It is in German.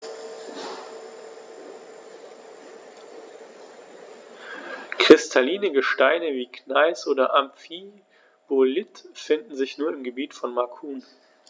Kristalline Gesteine wie Gneis oder Amphibolit finden sich nur im Gebiet von Macun.